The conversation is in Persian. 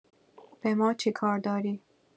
به ما چیکار داری